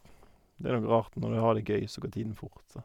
Det er noe rart, når du har det gøy, så går tiden fort, så...